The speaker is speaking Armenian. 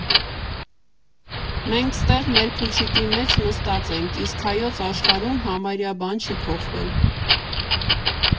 ֊ Մենք ստեղ մեր փուչիկի մեջ նստած ենք, իսկ Հայոց աշխարհում համարյա բան չի փոխվել։